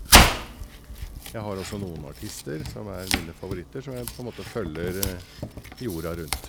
Jeg har også noen artister som er mine favoritter som jeg på en måte følger jorda rundt.